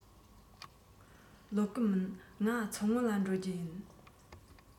ལོག གི མིན ང མཚོ སྔོན ལ འགྲོ རྒྱུ ཡིན